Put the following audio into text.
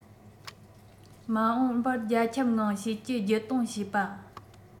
མ འོངས པར རྒྱ ཁྱབ ངང བྱེད ཀྱི བརྒྱུད གཏོང བྱེད པ